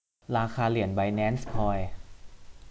ราคาเหรียญไบแนนซ์คอย